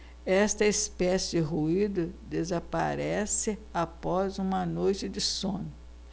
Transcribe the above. esta espécie de ruído desaparece após uma noite de sono